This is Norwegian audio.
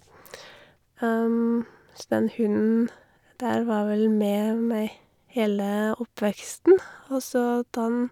Så den hunden der var vel med meg hele oppveksten, og så da den...